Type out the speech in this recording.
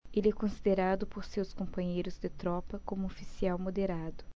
ele é considerado por seus companheiros de tropa como um oficial moderado